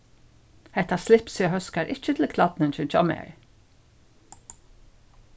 hetta slipsið hóskar ikki til klædningin hjá mær